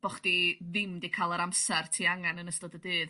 ...bo' chdi ddiim 'di ca'l yr amsar ti angan yn ystod y dydd